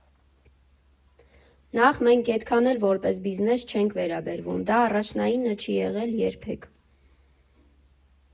Նախ, մենք էդքան էլ որպես բիզնես չենք վերաբերվում, դա առաջնայինը չի եղել երբեք։